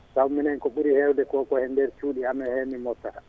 saabu minen ko ɓuuri hewde ko ko nder cuuɗi amen hen min moftata